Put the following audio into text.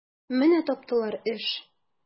Менә таптылар эш!